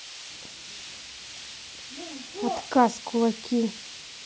отказ кулаки